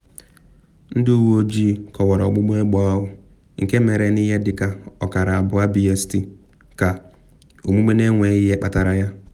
Ndị uwe ojii kọwara ọgbụgba egbe ahụ, nke mere n’ihe dị ka 02:30 BST, ka “omume na enweghị kpatara ya.”